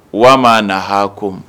Wa maa nahaakum